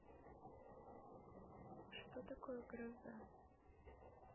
что такое гроза